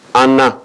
Ann na